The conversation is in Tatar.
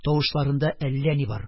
Тавышларында әллә ни бар: